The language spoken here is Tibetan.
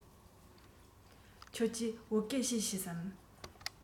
ཁྱེད ཀྱིས བོད སྐད ཤེས སམ